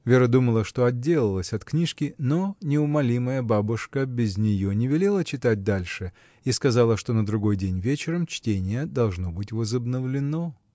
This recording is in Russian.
Вера думала, что отделалась от книжки, но неумолимая бабушка без нее не велела читать дальше и сказала, что на другой день вечером чтение должно быть возобновлено.